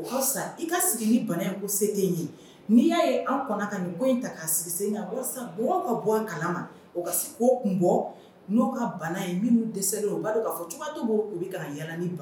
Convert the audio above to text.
O ka fisa i ka sigi ni bana ye ko se tɛ n ye y'a ye anw kɔna ka nin ko in ta k'a sigi sen ka walasa mɔgɔw ka bɔ a kalama o ka se kako tun bɔ n'o ka bana ye min'u dɛsɛlen don o ka don ka fɔ cogoya tɛ u bolo u bɛ kan ka yaala nin bana ye.